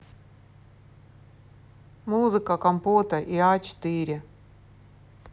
музыка компота и а четыре